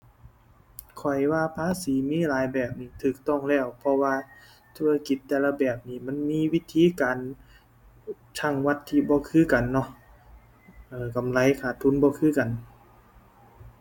ข้อยว่าภาษีมีหลายแบบนี่ถูกต้องแล้ว เพราะว่าธุรกิจแต่ละแบบนี่มันมีวิธีการชั่งวัดที่บ่คือกันเนาะ เออ กำไรขาดทุนบ่คือกัน